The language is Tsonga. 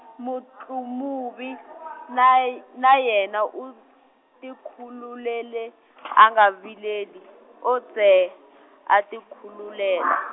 Mutlumuvi nay- na yena u tikhulukela anga vileli, o ntsee a tikhulukela.